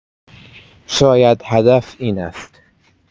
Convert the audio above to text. شاید هدف این است.